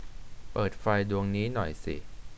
เปิดไฟดวงนี้หน่อยสิ